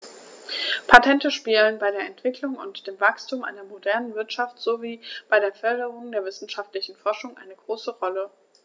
Patente spielen bei der Entwicklung und dem Wachstum einer modernen Wirtschaft sowie bei der Förderung der wissenschaftlichen Forschung eine große Rolle.